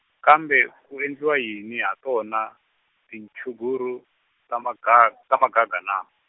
kambe ku endliwa yini ha tona, tinchuguru, ta maga-, ta magaga na?